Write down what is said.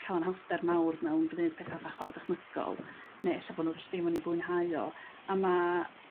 ca'l anhawster mawr mewn gwneud petha' 'th a chwara' dychmygol ne' e'lle' bo' nhw jys' ddim yn 'i fwynhau o, a ma'